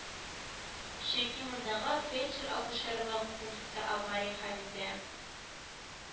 Чөнки мондагы фельдшер-акушерлык пункты авария хәлендә